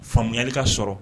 Faamuyayali ka sɔrɔ